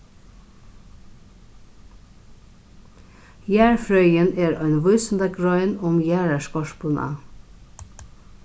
jarðfrøðin er ein vísindagrein um jarðarskorpuna